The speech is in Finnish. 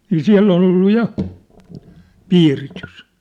niin siellä oli ollut ja piiritys